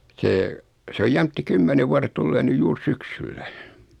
se se on jämtti kymmenen vuodet tulee nyt juuri syksyllä